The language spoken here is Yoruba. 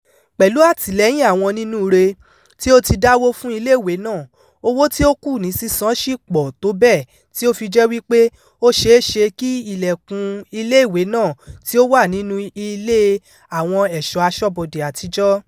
Pẹ̀lú àtìlẹ́yìn àwọn onínúure tí ó ti dáwó fún iléèwé náà, owó tí ó kù ní sísan ṣì pọ̀ tó bẹ́ẹ̀ tí ó fi jẹ́ wípé, ó ṣe é ṣe kí ilẹ̀kùn-un iléèwé náà tí ó wà nínú Ilé Àwọn Ẹ̀ṣọ́ Aṣọ́bodè Àtijọ́.